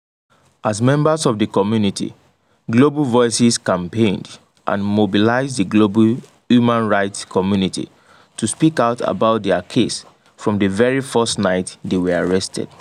As members of the community, Global Voices campaigned and mobilised the global human rights community to speak out about their case from the very first night they were arrested.